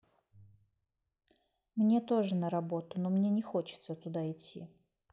мне тоже на работу но мне не хочется туда идти